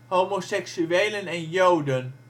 homoseksuelen en Joden